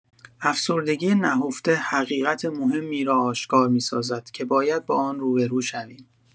افسردگی نهفته حقیقت مهمی را آشکار می‌سازد که باید با آن روبه‌رو شویم.